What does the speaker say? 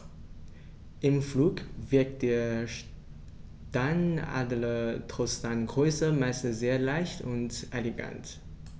Im Flug wirkt der Steinadler trotz seiner Größe meist sehr leicht und elegant.